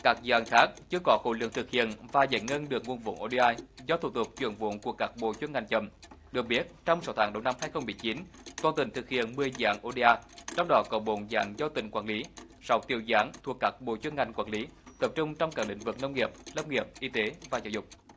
các dự án khác chưa có khối lượng thực hiện và giải ngân được nguồn vốn ô đê a do thủ tục chuyển vốn của các bộ chuyên ngành chậm được biết trong sáu tháng đầu năm hai không mười chín toàn tỉnh thực hiện mười dự án ô đê a trong đó có bốn dành do tỉnh quản lý sáu tư dự án thuộc các bộ chuyên ngành quản lý tập trung trong các lĩnh vực nông nghiệp lâm nghiệp y tế và giáo dục